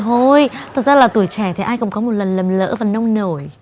thôi thực ra là tuổi trẻ thì ai cũng có một lần lầm lỡ và nông nổi